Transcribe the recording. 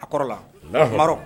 A kɔrɔ la , anhan, maron